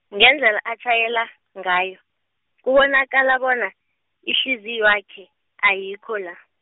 ngendlela atjhayela, ngayo, kubonakale bona, ihliziywakhe, ayikho la.